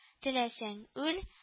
Теләсәң — үл